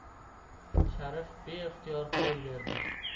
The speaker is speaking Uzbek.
sharif beixtiyor qo'l berdi